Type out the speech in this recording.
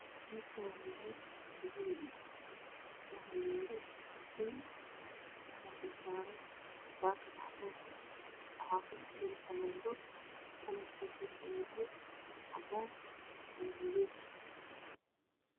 Meeshaani waa miis dahabi ah waxaa yaalo kartoon waxaa dul saaran baakat cadaan ah waxaa kudhex jiro faleenbo kalarkiisuna uu yahy cadaan iyo buluug